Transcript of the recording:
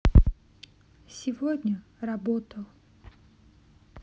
сегодня работал